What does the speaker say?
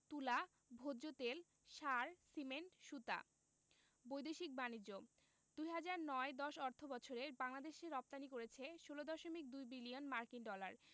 তুলা ভোজ্যতেল সার সিমেন্ট সুতা বৈদেশিক বাণিজ্যঃ ২০০৯ ১০ অর্থবছরে বাংলাদেশ রপ্তানি করেছে ১৬দশমিক ২ বিলিয়ন মার্কিন ডলার